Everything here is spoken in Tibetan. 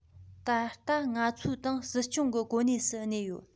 ད ལྟ ང ཚོའི ཏང སྲིད སྐྱོང གི གོ གནས སུ གནས ཡོད